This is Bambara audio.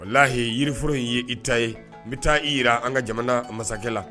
O lahi yiriforo in y ye i ta ye n bɛ taa i jirara an ka jamana masakɛ la